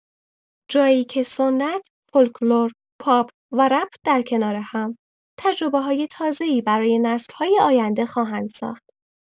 جایی که سنت، فولکلور، پاپ و رپ در کنار هم، تجربه‌های تازه‌ای برای نسل‌های آینده خواهند ساخت.